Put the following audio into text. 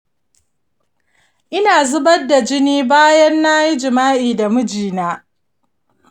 ina zubar da jini bayan nayi jima'i da miji na.